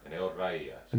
ne on rajaiset